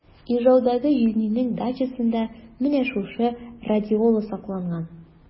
Ижаудагы җизнинең дачасында менә шушы радиола сакланган.